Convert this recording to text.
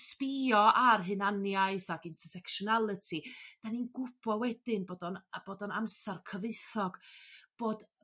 sbïo a'r hunaniaeth ag intersectionality 'dan ni'n gwbo wedyn bod o'n a bod o'n amsar cyfoethog bod